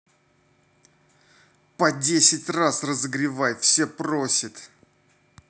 по десять раз разогревай все просит